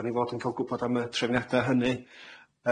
'Dan ni fod yn ca'l gwbod am y trefniada hynny.